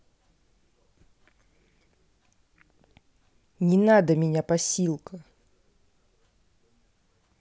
не надо меня посилка